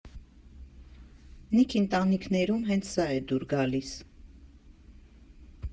Նիքին տանիքներում հենց սա է դուր գալիս։